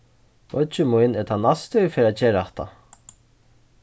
beiggi mín er tann næsti ið fer at gera hatta